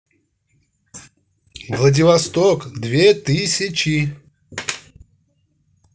владивосток две тысячи